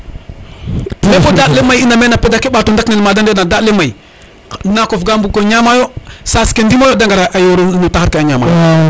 mais bo daɗ le may ina men a peda ke dak nel made nde ina a pedake may nakof ga mbuko ñama yo sas ke ndimo yo de ngara yoru no taxar ke a ñama yo